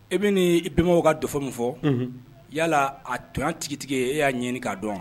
E bɛ bɛnbaww ka dɔfɔ min fɔ yalala a to tigitigi e y'a ɲɛ ɲini k'a dɔn